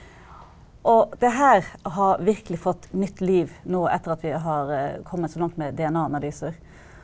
og det her har virkelig fått nytt liv nå etter at vi har kommet så langt med DNA-analyser.